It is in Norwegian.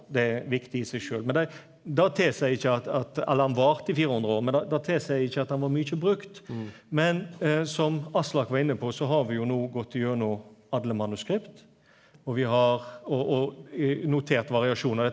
det er viktig i seg sjølv men dei det tilseier ikkje at at eller han varte i 400 år men det det tilseier ikkje at han var mykje brukt men som Aslak var inne på så har vi jo no gått igjennom alle manuskript og vi har og og notert variasjonar.